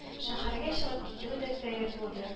Шәһәргә чыгып китүе дә сәер булды